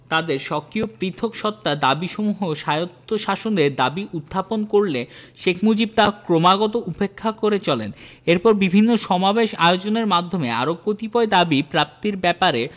তাদের স্বকীয় পৃথক সত্তার দাবীসমূহ স্বায়ত্বশাসনের দাবী উত্থাপন করলে শেখ মুজিব তা ক্রমাগত উপেক্ষা করে চলেন এরপর বিভিন্ন সমাবেশ আয়োজনের মাধ্যমে আরো কতিপয় দাবী প্রাপ্তির ব্যপারে